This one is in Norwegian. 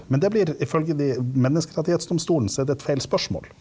men det blir ifølge de menneskerettighetsdomstolen, så er det et feil spørsmål.